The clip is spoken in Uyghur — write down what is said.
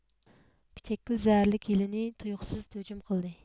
پىچەكگۈل زەھەرلىك يىلىنى تۇيۇقسىز ھۇجۇم قىلدى